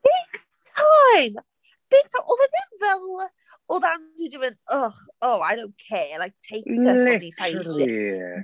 Big time! Big time! Oedd e ddim fel, oedd Andrew 'di mynd "Ych, oh, I don't care, like, take her".... Literally*.